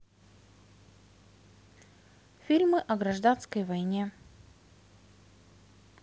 фильмы о гражданской войне